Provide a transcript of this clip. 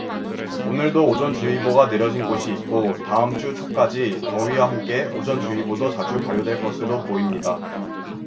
오늘도 오존 주의보가 내려진 곳이 있고 다음 주 초까지 더위와 함께 오존 주의보도 자주 발효될 것으로 보입니다